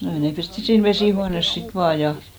no ei ne pestiin siinä vesihuoneessa sitten vaan ja